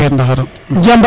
no affaire ndaxar